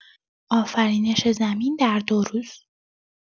آفرینش زمین در ۲ روز!